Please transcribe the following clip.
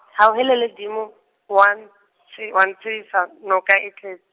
hauhelele Dimo wa ntshe wa ntshehisa noka e tlets-.